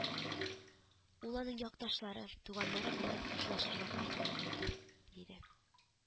— ул аның якташлары, туганнары белән хушлашырга кайтуы булды, — диде